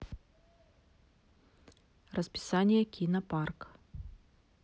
расписание кино парк